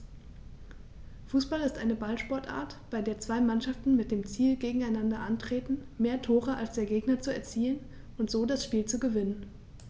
Fußball ist eine Ballsportart, bei der zwei Mannschaften mit dem Ziel gegeneinander antreten, mehr Tore als der Gegner zu erzielen und so das Spiel zu gewinnen.